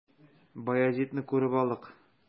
Баязитны күреп алдык.